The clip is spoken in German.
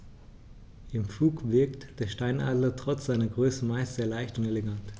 Im Flug wirkt der Steinadler trotz seiner Größe meist sehr leicht und elegant.